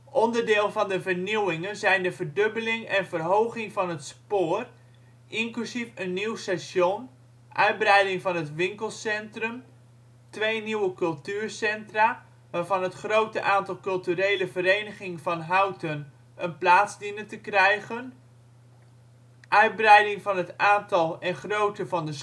Onderdeel van de vernieuwingen zijn de verdubbeling en verhoging van het spoor inclusief een nieuw station, uitbreiding van het winkelcentrum, twee nieuwe cultuurcentra waarin het grote aantal culturele verenigingen van Houten een plaats dienen te krijgen, uitbreiding van het aantal en grootte van de sportfaciliteiten